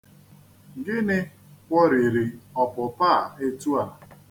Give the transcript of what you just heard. Gịnị kwọrịrị ọpụpa a etu a?